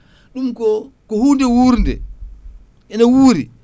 ɗum ko hunde wuurde ene wuuri